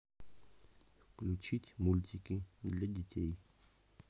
включить мультики для детей